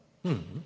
ja.